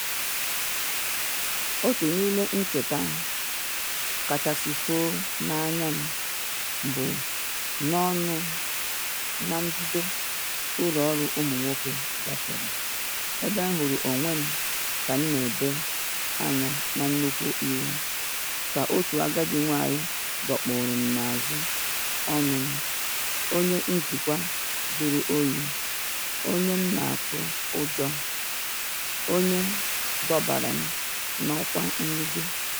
Otu n’ime ncheta m kachasị foo n’anya m bụ n’ọrụ m na mbido, ụlọ ọrụ ụmụ nwoke gafere, ebe m hụrụ onwe m ka na ebe anya na nnukwu iwe, ka otu agadi nwanyị dọkpụrụ m n’azụ onu m - onye njikwa juru oyi onye m na atụtụ ụjọ - onye dọbara m n’akwa nrigo.